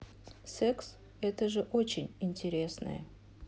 секс это же очень интересное